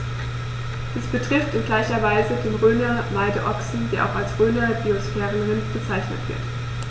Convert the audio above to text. Dies betrifft in gleicher Weise den Rhöner Weideochsen, der auch als Rhöner Biosphärenrind bezeichnet wird.